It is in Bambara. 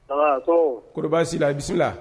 An baa, ko, koni baasi t'i la bisimila la